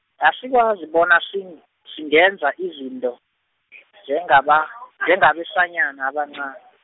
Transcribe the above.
asikwazi bona sing- singenza izinto, njengaba- njengabesanyana abanqa-.